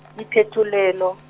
diphetolelo.